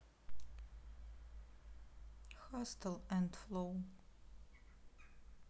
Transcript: хастл энд флоу